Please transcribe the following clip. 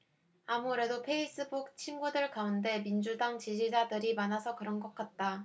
아무래도 페이스북 친구들 가운데 민주당 지지자들이 많아서 그런 것 같다